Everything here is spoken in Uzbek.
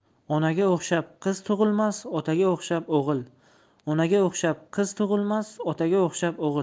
onaga o'xshab qiz tug'ilmas otaga o'xshab o'g'il